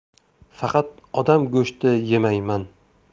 faqat odam go'shti yemayman